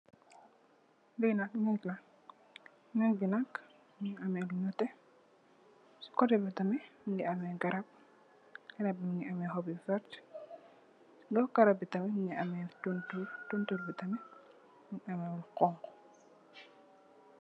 Li nak neek la nek bi nak Mungi ameh lu neteh sey koteh bi tamit Mungi am garab ,garab bi Mungi ameh hopp yu verteh run garab bi tamit Mungi ameh tontorr tontorr , tontorr bi tamit Mungi ameh lu hunhu.